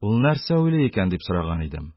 Ул нәрсә уйлый икән?-дип сораган идем.